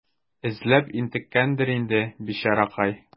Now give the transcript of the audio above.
Эзләп интеккәндер инде, бичаракай.